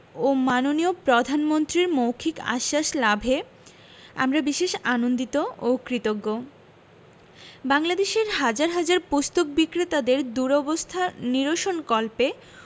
ও মাননীয় প্রধানমন্ত্রীর মৌখিক আশ্বাস লাভে আমরা বিশেষ আনন্দিত ও কৃতজ্ঞ বাংলাদেশের হাজার হাজার পুস্তক বিক্রেতাদের দুরবস্থা নিরসনকল্পে